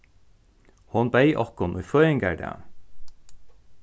hon beyð okkum í føðingardag